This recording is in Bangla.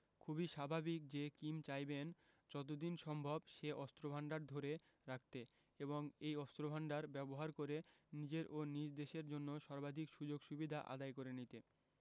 খুবই স্বাভাবিক যে কিম চাইবেন যত দিন সম্ভব সে অস্ত্রভান্ডার ধরে রাখতে এবং এই অস্ত্রভান্ডার ব্যবহার করে নিজের ও নিজ দেশের জন্য সর্বাধিক সুযোগ সুবিধা আদায় করে নিতে